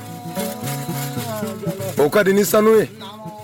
Unnn Yɔrɔ Diallo o kadi ni sanu ye naamuu